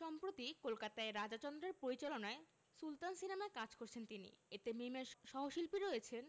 সম্প্রতি কলকাতায় রাজা চন্দের পরিচালনায় সুলতান সিনেমার কাজ করেছেন তিনি এতে মিমের সহশিল্পী রয়েছেন